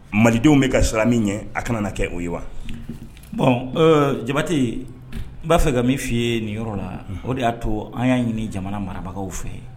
Malidenw bɛ ka sira min ɲɛ a kana na kɛ o ye wa bɔn jabate n b'a fɛ ka min f fɔi ye nin yɔrɔ la o de y'a to an y'a ɲini jamana marabagaw fɛ yen